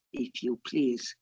If you please.